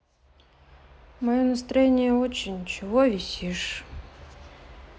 мое настроение очень чего висишь